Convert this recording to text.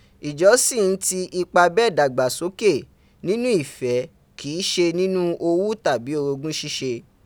ijo si n ti ipa bee dagbasoke ninu ife, ki i se ninu owu tabi orogun sise.